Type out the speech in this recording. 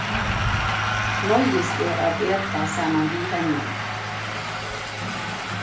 noyðist eg at eta saman við henni